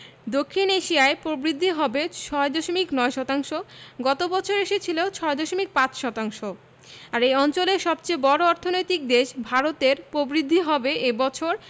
দক্ষিণ এশিয়ায় প্রবৃদ্ধি হবে ৬.৯ শতাংশ গত বছর এসেছিল ৬.৫ শতাংশ আর এ অঞ্চলের সবচেয়ে বড় অর্থনৈতিক দেশ ভারতের প্রবৃদ্ধি হবে এ বছর